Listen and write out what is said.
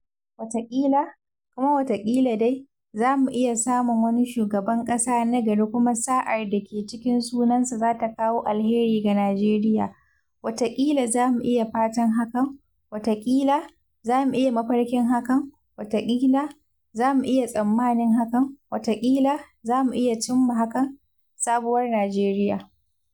Wataƙila, kuma wataƙila dai, za mu iya samun wani Shugaban ƙasa na gari kuma sa’ar da ke cikin sunansa za ta kawo alheri ga Najeriya, wataƙila, za mu iya fatan hakan, wataƙila, za mu iya mafarkin hakan, wataƙila, za mu iya tsammanin hakan, wataƙila, za mu iya cimma hakan – Sabuwar Najeriya.